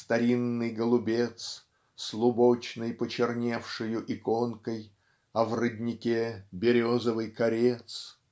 старинный голубец С лубочной почерневшею иконкой, А в роднике березовый корец.